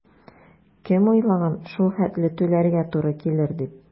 Кем уйлаган шул хәтле түләргә туры килер дип?